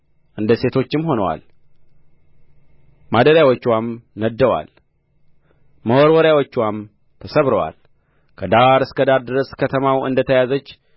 እንደ ሴቶችም ሆነዋል ማደሪያዎችዋም ነድደዋል መወርወሪያዎችዋም ተሰብረዋል ከዳር እስከ ዳር ድረስ ከተማው እንደ ተያዘች